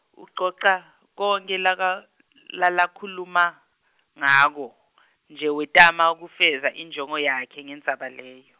Ucoca, konkhe laka- lalakhuluma, ngako , nje wetama kufeza injongo yakhe ngendzaba leyo.